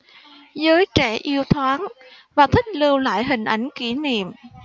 giới trẻ yêu thoáng và thích lưu lại hình ảnh kỉ niệm